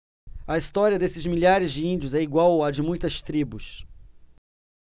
a história desses milhares de índios é igual à de muitas tribos